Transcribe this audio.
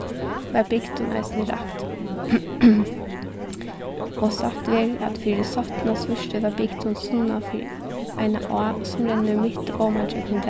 var bygdin eisini rakt og sagt verður at fyri sóttina svørtu var bygdin sunnan fyri eina á sum rennur mitt oman gjøgnum